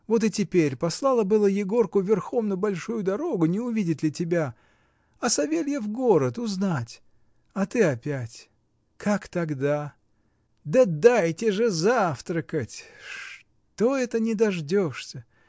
Вот и теперь послала было Егорку верхом на большую дорогу, не увидит ли тебя? А Савелья в город — узнать. А ты опять — как тогда! Да дайте же завтракать! Что это не дождешься?